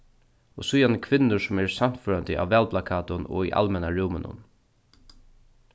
og síðani kvinnur sum eru sannførandi á valplakatum og í almenna rúminum